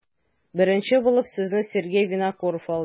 Беренче булып сүзне Сергей Винокуров алды.